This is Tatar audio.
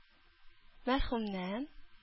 Мәрхүмнән